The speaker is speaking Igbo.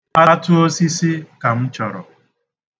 Atụ osisi ka m chọrọ.